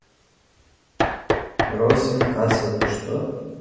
росинкас что это